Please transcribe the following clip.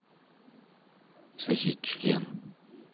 соси член